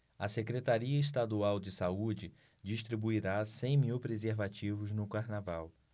a secretaria estadual de saúde distribuirá cem mil preservativos no carnaval